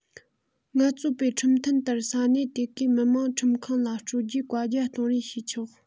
ངལ རྩོལ པས ཁྲིམས མཐུན ལྟར ས གནས དེ གའི མི དམངས ཁྲིམས ཁང ལ སྤྲོད རྒྱུའི བཀའ རྒྱ གཏོང རེ ཞུས ཆོག